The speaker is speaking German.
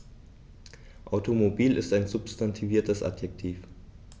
Automobil ist ein substantiviertes Adjektiv.